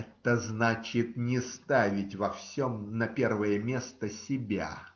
Это значит не ставить во всем на первое место себя.